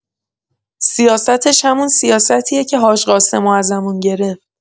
سیاستش همون سیاستیه که حاج قاسمو ازمون گرفت